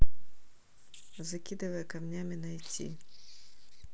закидывай камнями найти